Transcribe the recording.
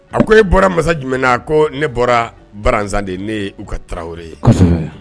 A ko e bɔra masajan jumɛn na ko ne bɔra baraz de ne u ka tarawele ye